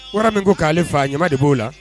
Wara min ko k'ale fa ɲama de b'o la